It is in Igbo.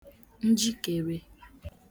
ǹjìkèrè